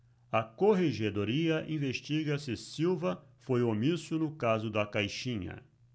a corregedoria investiga se silva foi omisso no caso da caixinha